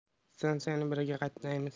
stansiyaga birga qatnaymiz